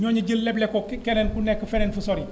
ñooñu jël leble ko keneen ku nekk feneen fu sori